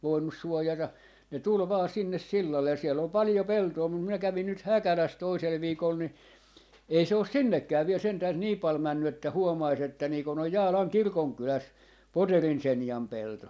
voinut suojata ne tuli vain sinne sillalle ja siellä oli paljon peltoa mutta minä kävin nyt Häkälässä toisella viikolla niin ei se ole sinnekään vielä sentään niin paljon mennyt että huomaisi että niin kun on Jaalan kirkonkylässä Poterin Senjan pelto